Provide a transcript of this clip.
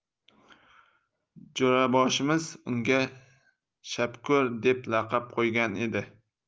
jo'raboshimiz unga shapko'r deb laqab qo'ygan edi